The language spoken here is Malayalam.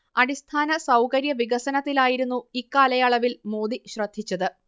അടിസ്ഥാന സൗകര്യ വികസനത്തിലായിരുന്നു ഇക്കാലയളവിൽ മോദി ശ്രദ്ധിച്ചത്